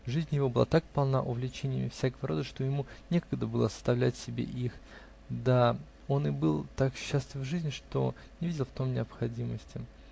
Жизнь его была так полна увлечениями всякого рода, что ему некогда было составлять себе их, да он и был так счастлив в жизни, что не видел в том необходимости.